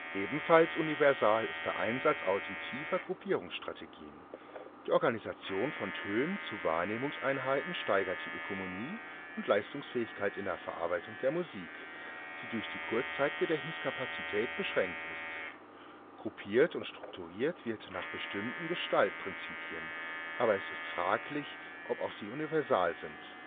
Ebenfalls universal ist der Einsatz auditiver Gruppierungsstrategien. Die Organisation von Tönen zu Wahrnehmungseinheiten steigert die Ökonomie und Leistungsfähigkeit in der Verarbeitung der Musik, die durch die Kurzzeitgedächtniskapazität beschränkt ist. Gruppiert und strukturiert wird nach bestimmten Gestaltprinzipien, aber es ist fraglich, ob auch sie universal sind